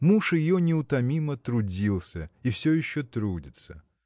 Муж ее неутомимо трудился и все еще трудится.